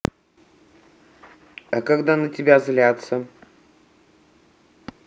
а когда на тебя злятся